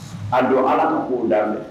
A don Ala ko da fɛ